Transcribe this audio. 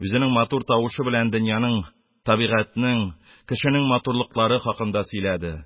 Үзенең матур тавышы белән дөньяның, табигатьнең, кешенең матурлыклары хакында сөйләде.